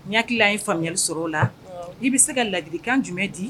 Yakila ye faamuyali sɔrɔ o la i bɛ se ka ladilikan jumɛn di